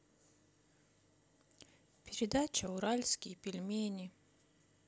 передача уральские пельмени